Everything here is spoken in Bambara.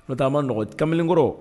N'o tɛ a ma nɔgɔn kamalen kɔrɔ